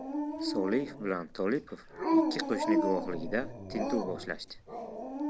soliev bilan tolipov ikki qo'shni guvohligida tintuv boshlashdi